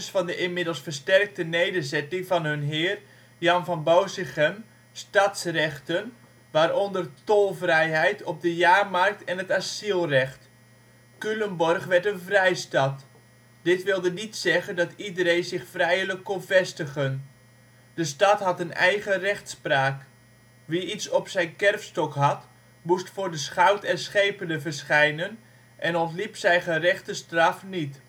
van de inmiddels versterkte nederzetting van hun Heer, Jan van Bosinchem, stadsrechten waaronder tolvrijheid op de jaarmarkt en het asielrecht. Culemborg werd een Vrijstad. Dit wilde niet zeggen dat iedereen zich vrijelijk kon vestigen. De stad had een eigen rechtspraak. Wie iets op zijn kerfstok had, moest voor schout en schepenen verschijnen en ontliep zijn gerechte straf niet